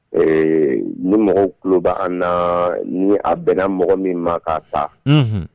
Ee ni mɔgɔw tuloba an na ni a bɛnna mɔgɔ min ma ka taa